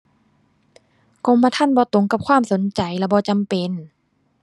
กรมธรรม์บ่ตรงกับความสนใจและบ่จำเป็น